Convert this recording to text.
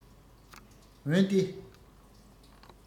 འོན ཏེ